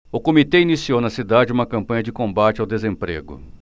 o comitê iniciou na cidade uma campanha de combate ao desemprego